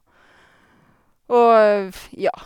Og, ja.